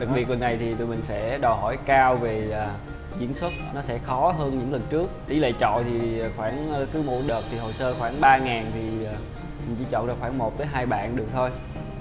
đặc biệt lần này thì tụi mình sẽ đòi hỏi cao về à diễn xuất nó sẽ khó hơn những lần trước tỷ lệ chọi thì khoảng a cứ mỗi đợt thì hồ sơ khoảng ba ngàn thì chọn được khoảng một đến hai bạn được thôi